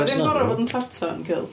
Ydy o'n gorfod bod yn tartan kilt?